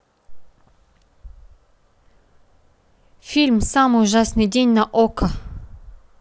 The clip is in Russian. фильм самый ужасный день на okko